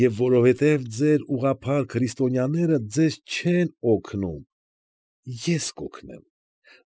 Եվ որովհետև ձեր ուղղափառ քրիստոնյաները ձեզ չեն օգնում, ե՛ս կօգնեմ։